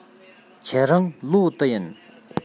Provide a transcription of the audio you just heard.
ཁྱེད རང ལོ དུ ཡིན